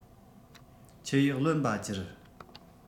ཆུ ཡིས བློན པ གྱུར